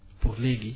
pour léegi